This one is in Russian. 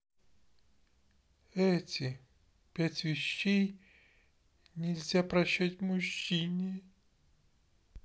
эти пять вещей нельзя прощать мужчине